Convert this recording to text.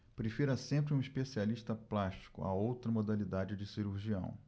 prefira sempre um especialista plástico a outra modalidade de cirurgião